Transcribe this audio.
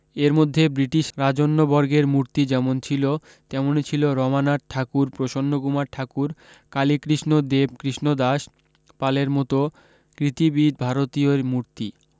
এর মধ্যে ব্রিটিশ রাজন্যবর্গের মূর্তি যেমন ছিল তেমনি ছিল রমানাথ ঠাকুর প্রসন্নকুমার ঠাকুর কালীকৃষ্ণ দেব কৃষ্ণদাস পালের মত কৃতিবিদ ভারতীয়ের মূর্তি